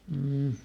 mm